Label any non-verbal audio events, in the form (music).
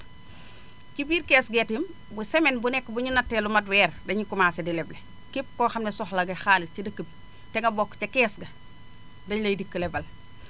(breath) ci biir kees gee itam bu semaine bu nekk bu ñu nattee lu mat weer dañuy commencé di leble képp koo xam ne am na soxla xaalis ci dëkk bi te nga bokk ca kees ga dañu lay dikk lebal